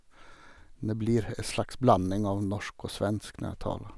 Men det blir en slags blanding av norsk og svensk når jeg taler.